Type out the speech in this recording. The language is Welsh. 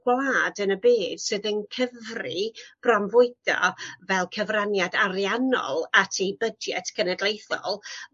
gwlad yn y byd sydd yn cyfri bronfwydo fel cyfraniad ariannol at 'i budget cenedlaethol